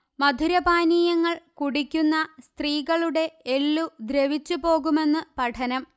മധുരപാനീയങ്ങൾ കുടിക്കുന്ന സ്ത്രീകളുടെ എല്ലു ദ്രവിച്ചു പോകുമെന്ന് പഠനം